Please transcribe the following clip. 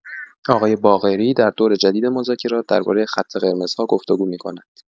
آقای باقری در دور جدید مذاکرات درباره خط قرمزها گفت‌وگو می‌کند.